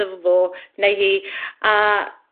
efo fo neu hi a